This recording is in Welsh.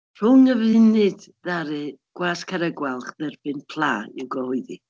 Rhwng y funud ddaru Gwasg Carreg Gwalch dderbyn Pla i'w gyhoeddi.